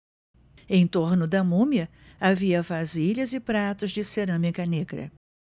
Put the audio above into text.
em torno da múmia havia vasilhas e pratos de cerâmica negra